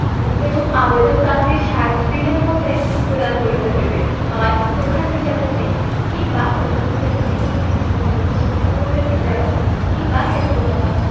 উক্তরূপ আবেদন প্রাপ্তির ষাট দিনের মধ্যে প্রদান করিতে হইবে ৯ প্রধান বিচারপতি কিংবা প্রধান বিচারপাতি কর্তৃক মনোনীত সুপ্রীম কোর্টের বিচারক কিংবা ক্ষেত্রমত